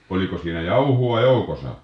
oliko siinä jauhoa joukossa